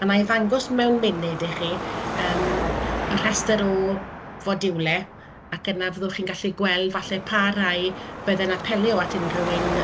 a wna i ddangos mewn munud i chi yym y rhestr o fodiwlau ac yna fyddwch chi'n gallu gweld falle pa rhai fydde'n apelio at unrywun,